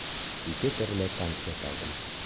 Ике төрле конфет алдым.